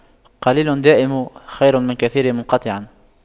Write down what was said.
قليل دائم خير من كثير منقطع